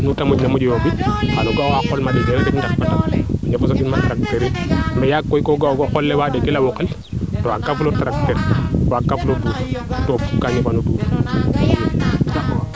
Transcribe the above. bo nuute moƴka moƴo yoombit o ga oxa qol ma nengeena yaam sombiim ma a tracteur um mais yaaga koy ko ga'oogu o qol le a neŋel a wqel to an ka fuli ra a tracteur ke to waag ka fuli duuf to